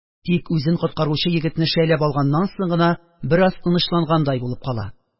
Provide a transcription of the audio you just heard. Тик үзен коткаручы егетне шәйләп алганнан соң гына бераз тынычлангандай булып кала.